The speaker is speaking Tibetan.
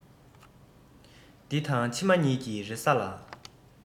འདི དང ཕྱི མ གཉིས ཀྱི རེ ས ལ